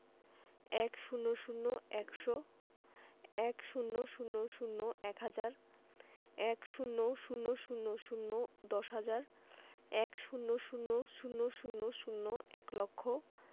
১০০ – একশো ১০০০ – এক হাজার ১০০০০ দশ হাজার ১০০০০০ এক লক্ষ